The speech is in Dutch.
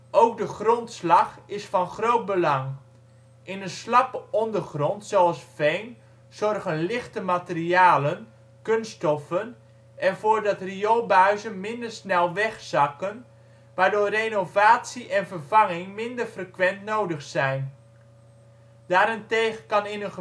Ook de grondslag is van groot belang. In een slappe ondergrond (zoals veen) zorgen lichte materialen (kunststoffen) ervoor dat rioolbuizen minder snel wegzakken, waardoor renovatie en vervanging minder frequent nodig zijn. Daarentegen kan in